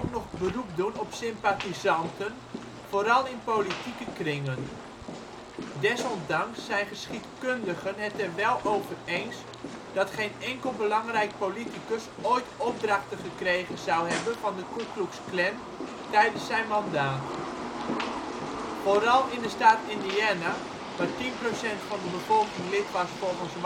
nog beroep doen op sympathisanten, vooral in politieke kringen. Desondanks zijn geschiedkundigen het er wel over eens dat geen enkel belangrijk politicus ooit opdrachten gekregen zou hebben van de Ku Klux Klan tijdens zijn mandaat. Vooral in de staat Indiana - waar 10 % van de bevolking lid was volgens